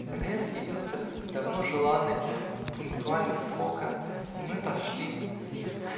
Наконец явился давно желанный пунктуальный Фока, и мы пошли вниз.